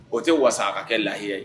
O tɛ wasa a ka kɛ lahiya ye